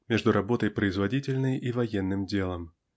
между работой производительной и военным делом